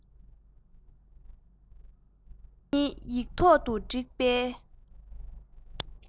དེ ཉིད ཡིག ཐོག ཏུ བསྒྲིགས པའི